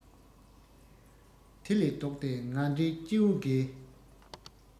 དེ ལས ལྡོག སྟེ ང འདྲའི སྐྱེས བུ འགས